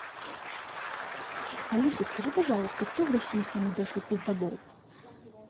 алиса скажи пожалуйста кто в россии самый большой пиздабол